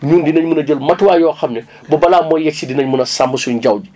ñun dinañ mën a jël matuwaay yoo xam ne ba balaa moo yegg si dinañ mën a sàmm suñu jaww bi